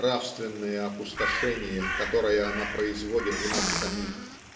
нравственное опустошение, которое она производит в нас самих.